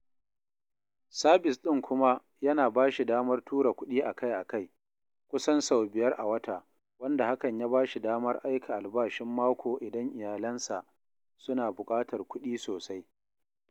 Sabis ɗin kuma yana ba shi damar tura kuɗi akai-akai – kusan sau 5 a wata wanda hakan ya bashi damar aika albashin mako idan iyalinsa suna buƙatar kuɗi sosai.